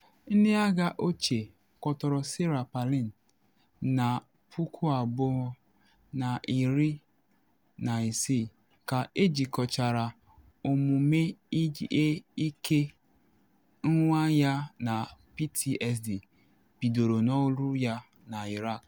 Ndị agha ochie kọtọrọ Sarah Palin na 2016 ka ejikọchara omume ihe ike nwa ya na PTSD bidoro n’ọrụ ya na Iraq.